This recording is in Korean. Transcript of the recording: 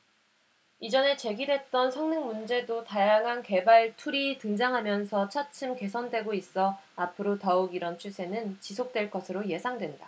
이전에 제기됐던 성능문제도 다양한 개발툴이 등장하면서 차츰 개선되고 있어 앞으로 더욱 이런 추세는 지속될 것으로 예상된다